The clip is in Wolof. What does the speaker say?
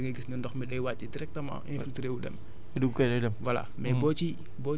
suuf soosu noponu boo ci sottee ndox da ngay gis ne ndox mi day wàcc directement infiltré wu dem